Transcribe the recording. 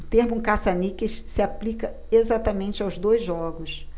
o termo caça-níqueis se aplica exatamente aos dois jogos